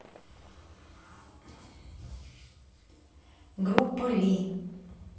группа ли